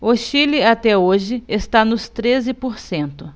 o chile até hoje está nos treze por cento